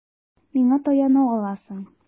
Миңа таяна аласың.